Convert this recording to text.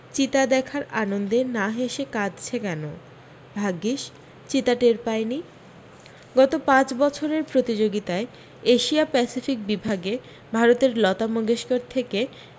চিতা দেখার আনন্দে না হেসে কাঁদছে কেন ভাগ্যিস চিতা টের পায়নি গত পাঁচ বছরের প্রতিযোগিতায় এশিয়া প্যাসিফিক বিভাগে ভারতের লতা মঙ্গেশকর থেকে